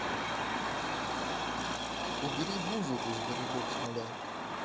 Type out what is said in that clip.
убери музыку sberbox маляр